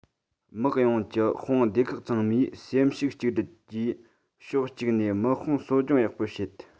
དམག ཡོངས ཀྱི དཔུང སྡེ ཁག ཚང མས སེམས ཤུགས གཅིག སྒྲིལ གྱིས ཕྱོགས གཅིག ནས དམག དཔུང གསོ སྦྱོང ཡག པོ བྱེད